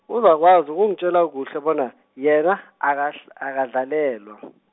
uzakwazi ukungitjela kuhle bona, yena, akahl-, akadlalelwa .